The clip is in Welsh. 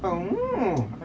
Mm!